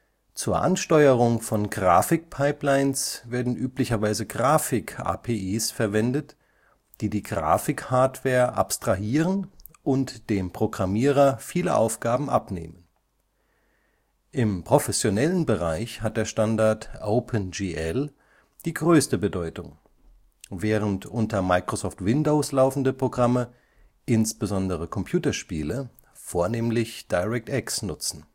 Zur Ansteuerung von Grafikpipelines werden üblicherweise Grafik-APIs verwendet, die die Grafikhardware abstrahieren und dem Programmierer viele Aufgaben abnehmen. Im professionellen Bereich hat der Standard OpenGL die größte Bedeutung, während unter Microsoft Windows laufende Programme, insbesondere Computerspiele, vornehmlich DirectX nutzen